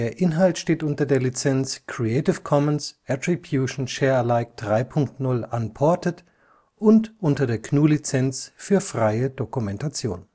Inhalt steht unter der Lizenz Creative Commons Attribution Share Alike 3 Punkt 0 Unported und unter der GNU Lizenz für freie Dokumentation